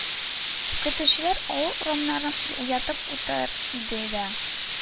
Көтүчеләр авыл урамнарын уятып үтәр иде дә,